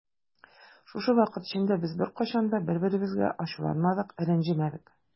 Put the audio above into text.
Шушы вакыт эчендә без беркайчан да бер-беребезгә ачуланмадык, рәнҗемәдек.